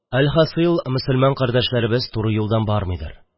Әлхасыйль, мосылман кардәшләребез тугры юлдан бармыйдыр.